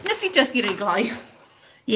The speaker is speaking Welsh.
O wnes i dysgu reit glou!